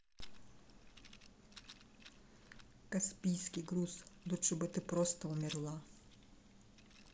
каспийский груз лучше бы ты просто умерла